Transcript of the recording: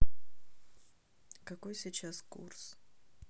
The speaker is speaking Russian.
какой сейчас курс